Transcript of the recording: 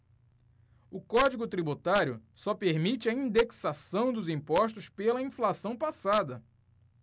o código tributário só permite a indexação dos impostos pela inflação passada